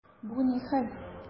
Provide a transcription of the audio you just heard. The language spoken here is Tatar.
Бу ни хәл!